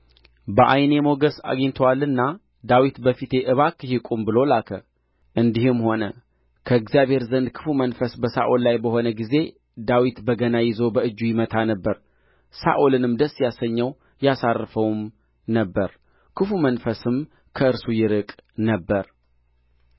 በዓይኔ ሞገስ አግኝቶአልና ዳዊት በፊቴ እባክህ ይቁም ብሎ ላከ እንዲህም ሆነ ከእግዚአብሔር ዘንድ ክፉ መንፈስ በሳኦል ላይ በሆነ ጊዜ ዳዊት በገና ይዞ በእጁ ይመታ ነበር ሳኦልንም ደስ ያሰኘው ያሳርፈውም ነበር ክፉ መንፈስም ከእርሱ ይርቅ ነበር